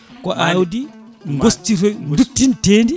ko awdi gostitoy duttintedi